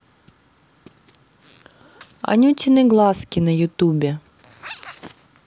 анютины глазки на ютубе